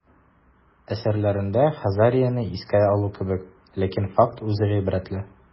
Әсәрләрендә Хазарияне искә алу кебек, ләкин факт үзе гыйбрәтле.